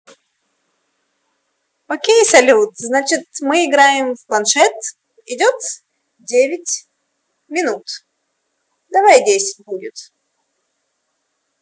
окей салют значит мы играем в планшет идет девять минут давай десять будет